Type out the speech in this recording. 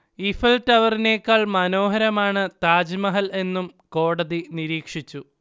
Eiffel ടവറിനെക്കാൾ മനോഹരമാണ് താജ്മഹൽ എന്നും കോടതി നിരീക്ഷിച്ചു